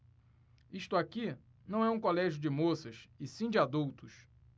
isto aqui não é um colégio de moças e sim de adultos